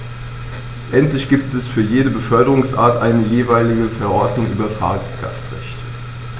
Endlich gibt es jetzt für jede Beförderungsart eine jeweilige Verordnung über Fahrgastrechte.